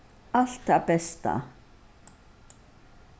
alt tað besta